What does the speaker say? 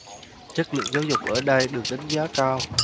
chất lượng giáo dục ở đây được đánh giá cao